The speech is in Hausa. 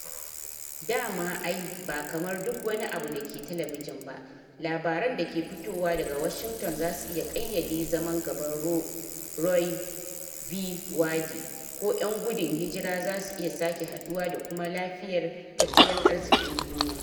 dama ai, ba kamar duk wani abu dake telebijin ba, labaran dake fitowa daga Washington zasu iya kayyade zaman gaban Roe v. Wade, ko ‘yan gudun hijira zasu iya sake haɗuwa da kuma lafiyar tattalin arzikin duniya.